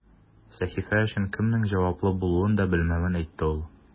Сәхифә өчен кемнең җаваплы булуын да белмәвен әйтте ул.